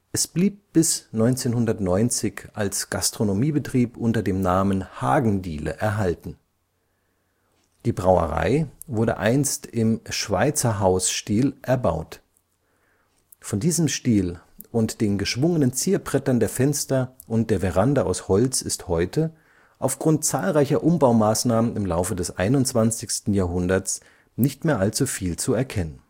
Es blieb bis 1990 als Gastronomiebetrieb unter dem Namen „ Hagendiele “erhalten. Die Brauerei wurde einst im Schweizerhausstil erbaut. Von diesem Stil und von den geschwungenen Zierbrettern der Fenster und der Veranda aus Holz ist heute aufgrund zahlreicher Umbaumaßnahmen im Laufe des 21. Jahrhunderts nicht mehr allzu viel zu erkennen